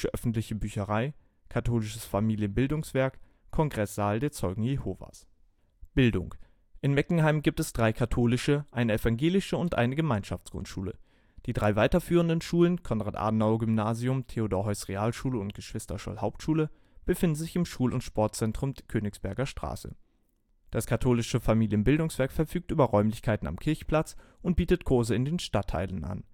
öffentliche Bücherei Katholisches Familienbildungswerk Hallenbad Kongresssaal der Zeugen Jehovas In Meckenheim gibt es drei katholische, eine evangelische und eine Gemeinschaftsgrundschule. Die drei weiterführenden Schulen – Konrad-Adenauer-Gymnasium, Theodor-Heuss-Realschule und Geschwister-Scholl-Hauptschule – befinden sich im Schul - und Sportzentrum Königsberger Straße. Das Katholische Familienbildungswerk verfügt über Räumlichkeiten am Kirchplatz und bietet Kurse in den Stadtteilen an